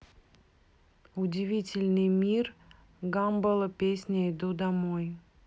удивительный мир гамбола песня иду домой